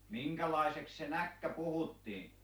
minkälaiseksi se näkki puhuttiin